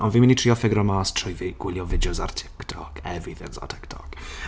ond fi'n mynd i trio ffigyro mas trwy fi- gwylio fideos ar TikTok. Everything's on TikTok.